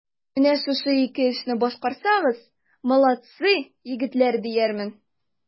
Менә шушы ике эшне башкарсагыз, молодцы, егетләр, диярмен.